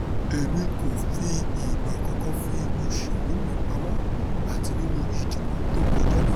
Èmi kòfi ìgbà kankan fi òṣèlú mi pamọ́, àti nínú ìdìbò tókọjá náà.